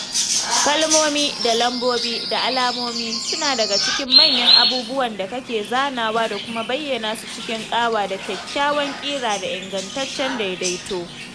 Kalmomi da lambobi da alamomi suna daga cikin manyan abubuwan da kake zanawa da kuma bayyana su cikin ƙawa da kyakkyawan ƙira da ingantaccen daidaito.